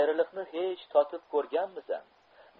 ayriliqni hech totib ko'rgyanmisan